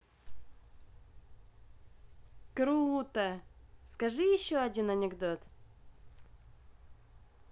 круто скажи еще один анекдот